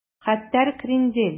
Хәтәр крендель